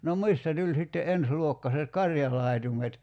no mistä tuli sitten ensiluokkaiset karjalaitumet